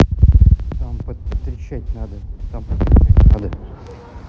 там под потрещать надо там покричать надо